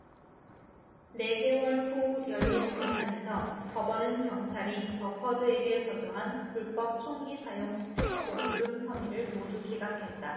네 개월 후 열린 재판에서 법원은 경찰이 버퍼드에게 적용한 불법 총기 사용 체포 불응 혐의를 모두 기각했다